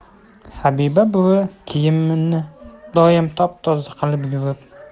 habiba buvi kiyimini doim top toza qilib yuvib